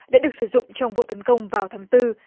đã được sử dụng trong vụ tấn công vào tháng tư